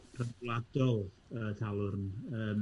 Yy talwrn, yym.